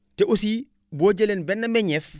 te aussi boo jëlee benn meññeef